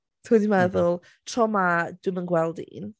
Tibod be dwi'n meddwl? Tro 'ma dwi'm yn gweld un.